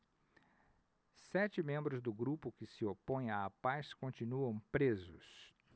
sete membros do grupo que se opõe à paz continuam presos